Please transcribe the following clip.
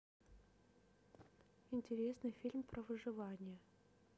интересный фильм про выживание